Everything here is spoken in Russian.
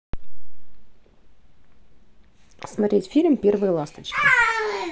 смотреть фильм первые ласточки